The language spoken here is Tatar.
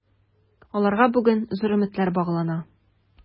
Аларга бүген зур өметләр баглана.